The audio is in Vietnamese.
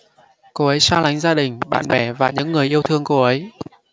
cô ấy xa lánh gia đình bạn bè và những người yêu thương cô ấy